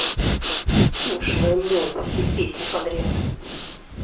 пошлая молли все песни подряд